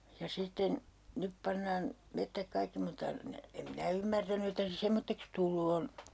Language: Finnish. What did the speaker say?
ja sitten nyt pannaan metsät kaikki mutta ne en minä ymmärtänyt että se semmoiseksi tullut on